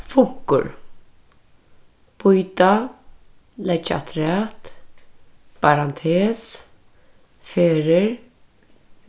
funkur býta leggja afturat ferðir